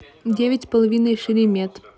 девять с половиной шеремет